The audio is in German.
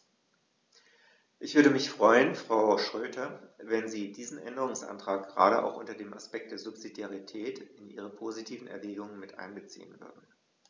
Ich würde mich freuen, Frau Schroedter, wenn Sie diesen Änderungsantrag gerade auch unter dem Aspekt der Subsidiarität in Ihre positiven Erwägungen mit einbeziehen würden.